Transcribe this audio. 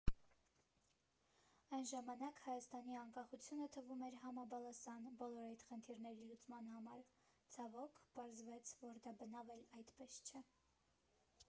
Այն ժամանակ Հայաստանի անկախությունը թվում էր համաբալասան բոլոր այդ խնդիրների լուծման համար, ցավոք, պարզվեց, որ դա բնավ էլ այդպես չէ։